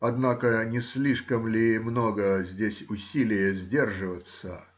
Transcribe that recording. — Однако не слишком ли много здесь усилия сдерживаться?